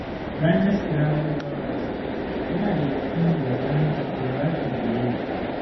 Rangers' Graham Dorrans yana da yakini gabanin haduwar Rapid Vienna